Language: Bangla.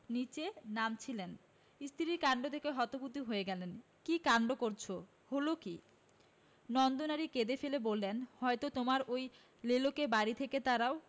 নীচে নামছিলেন স্ত্রীর কাণ্ড দেখে হতবুদ্ধি হয়ে গেলেন কি কাণ্ড করচ হলো কি নন্দরানী কেঁদে ফেলে বললেন হয় তোমার ঐ লেলোকে বাড়ি থেকে তাড়াও